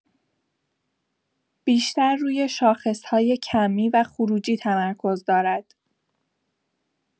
بیشتر روی شاخص‌های کمی و خروجی تمرکز دارد.